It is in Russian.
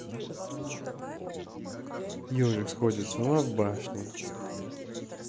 ежик сходит с ума в башне